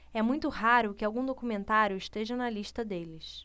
é muito raro que algum documentário esteja na lista deles